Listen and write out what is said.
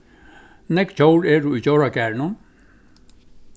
nógv djór eru í djóragarðinum